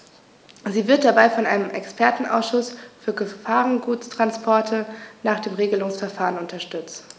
Sie wird dabei von einem Expertenausschuß für Gefahrguttransporte nach dem Regelungsverfahren unterstützt.